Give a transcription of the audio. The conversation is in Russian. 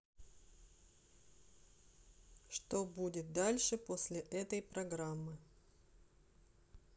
что будет дальше после этой программы